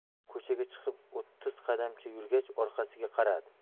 ko'chaga chiqib o'ttiz qadamcha yurgach orqasiga qaradi